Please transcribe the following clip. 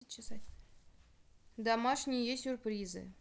домашние сюрпризы